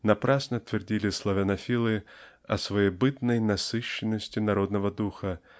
Напрасно твердили славянофилы о своебытной насыщенности народного духа